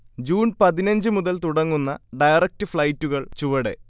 June പതിനഞ്ച് മുതൽ തുടങ്ങുന്ന ഡയറക്ട് ഫ്‌ളൈറ്റുകൾ ചുവടെ